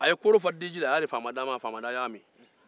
a ye koro fa diji la a y'a di faama daa ma o y'a min